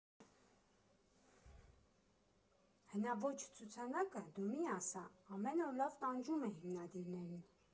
Հնաոճ ցուցանակը, դու մի ասա, ամեն օր լավ տանջում է հիմնադիրներին։